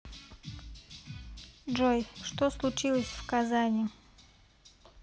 джой что случилось в казани